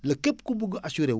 la képp ku bugg assuré wu